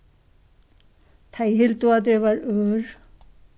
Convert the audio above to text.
tey hildu at eg var ør